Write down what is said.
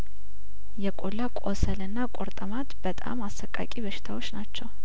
የቆላ ቁስልና ቁርጥ ማት በጣም አሰቃቂ በሽታዎች ናቸው